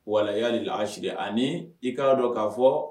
wa layaalil asri ani i k'a don k'a fɔ ko